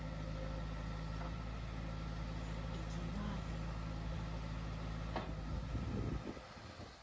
найди нафиг